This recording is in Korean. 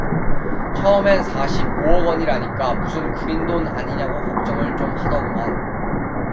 처음엔 사십 오 억원이라니까 무슨 구린 돈 아니냐고 걱정을 좀 하더구먼